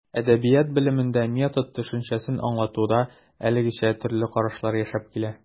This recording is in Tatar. Әдәбият белемендә метод төшенчәсен аңлатуда әлегәчә төрле карашлар яшәп килә.